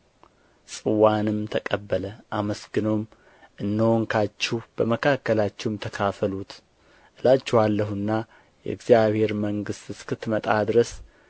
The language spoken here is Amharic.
ጽዋንም ተቀበለ አመስግኖም ይህን እንካችሁ በመካከላችሁም ተካፈሉት እላችኋለሁና የእግዚአብሔር መንግሥት እስክትመጣ ድረስ